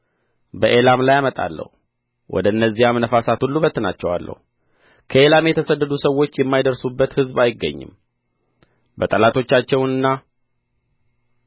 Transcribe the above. በኤላም ላይ አመጣለሁ ወደ እነዚያም ነፋሳት ሁሉ እበትናቸዋለሁ ከኤላም የተሰደዱ ሰዎች የማይደርሱበት ሕዝብ አይገኝም በጠላቶቻቸውና